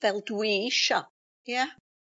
fel dwi isio, ia?